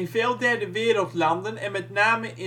veel derdewereldlanden en met name